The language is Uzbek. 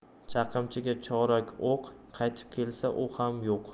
chaqimchiga chorak o'q qaytib kelsa u ham yo'q